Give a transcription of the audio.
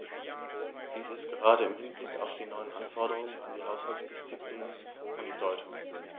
Dies ist gerade im Hinblick auf die neuen Anforderungen an die Haushaltsdisziplin von Bedeutung.